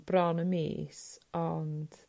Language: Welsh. bron y mis ond